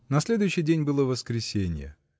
На следующий день было воскресенье.